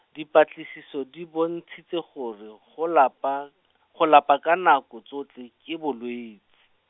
dipatlisiso di bontshitse gore, go lapa, go lapa ka nako tsotlhe, ke bolwetsi.